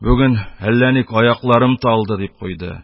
Бүген әллә ник аякларым талды...дип куйды;